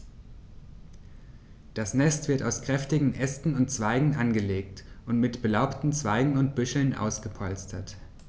Das Nest wird aus kräftigen Ästen und Zweigen angelegt und mit belaubten Zweigen und Büscheln ausgepolstert.